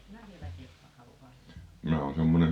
on siinä vieläkin jos on halu kastaa